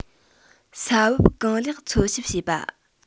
ས བབས གང ལེགས འཚོལ ཞིབ བྱེད པ